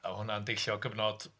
A hwnna'n deillio o gyfnod...